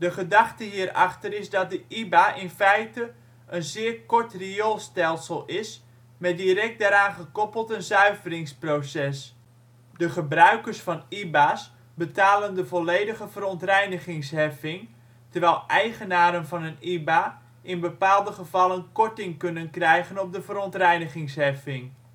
gedachte hierachter is dat de IBA in feite een zeer kort rioolstelsel is met direct daaraan gekoppeld een zuiveringsproces. De gebruikers van IBA 's betalen de volledige verontreinigingsheffing, terwijl eigenaren van een IBA in bepaalde gevallen korting kunnen krijgen op de verontreinigingsheffing